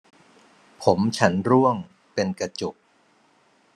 ผมฉันร่วงเป็นกระจุก